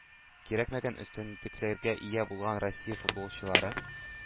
Кирәкмәгән өстенлекләргә ия булган россия футболчылары